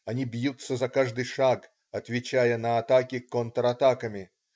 Они бьются за каждый шаг, отвечая на атаки контратаками.